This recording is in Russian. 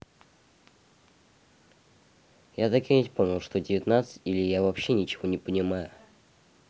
я так и понял что девятнадцать или я вообще ничего не понимаю